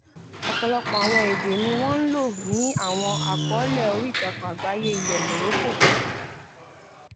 Ọ̀pọ̀lọpọ̀ àwọn èdè ni wọ́n ń lò ní àwọn àkọọ́lẹ̀ oríìtakùn àgbáyé ilẹ̀ Morocco.